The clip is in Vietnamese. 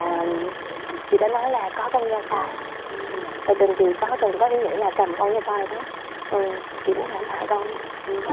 àm chị đã nói là có con dao phai và trần thì có từng có ý nghĩ là cầm con dao phai đó ừ chị muốn hãm hại con mình